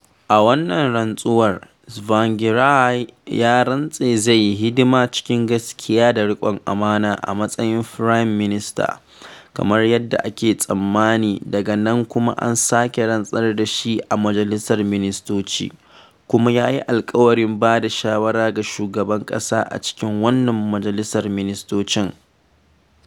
A wannan rantsuwar, Tsvangirai ya rantse zai yi hidima cikin gaskiya da riƙon amana a matsayin Firayim Minista, kamar yadda ake tsammani, daga nan kuma an sake rantsar da shi a majalisar ministoci, kuma ya yi alƙawarin bada shawara ga shugaban ƙasa a cikin wannan majalisar ministocin .